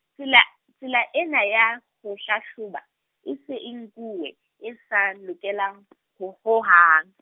tsela, tsela ena ya ho hlahloba, e se e nkuwe e sa lokelang ho ho hang.